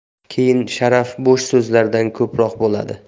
keyin sharaf bo'sh so'zlardan ko'proq bo'ladi